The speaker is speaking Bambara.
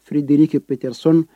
Firiden kɛ ppres